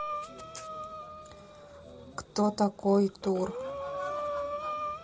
кто такой тур